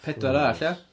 Pedwar arall ia?